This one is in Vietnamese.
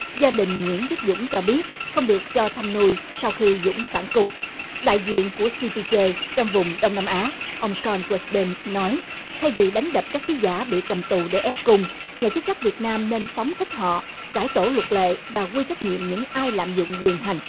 gia đình nguyễn viết dũng cho biết không được cho thăm nuôi sau khi dũng phản cung đại diện của ci pi rây trong vùng đông nam á ông son quét bơn nói thay vì đánh đập các ký giả bị cầm tù để ép cung nhà chức trách việt nam nên phóng thích họ cải tổ luật lệ và quy trách nhiệm những ai lạm dụng quyền hành